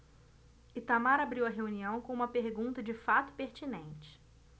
itamar abriu a reunião com uma pergunta de fato pertinente